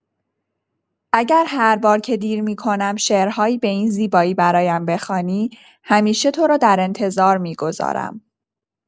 اگر هر بار که دیر می‌کنم شعرهایی به این زیبایی برایم بخوانی، همیشه تو را در انتظار می‌گذارم